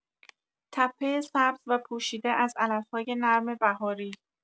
تپه سبز و پوشیده از علف‌های نرم بهاری